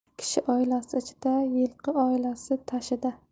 kishi olasi ichida yilqi olasi tashida